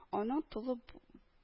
Аның тулып